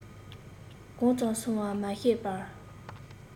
གང ཙམ སོང བར མ ཤེས པར